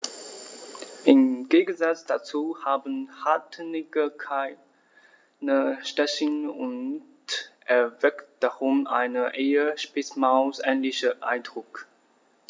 Im Gegensatz dazu haben Rattenigel keine Stacheln und erwecken darum einen eher Spitzmaus-ähnlichen Eindruck.